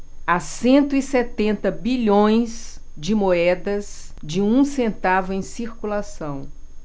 há cento e setenta bilhões de moedas de um centavo em circulação